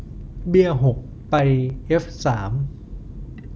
เบี้ยหกไปเอฟสาม